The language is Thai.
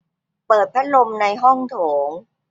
เปิดพัดลมในห้องโถง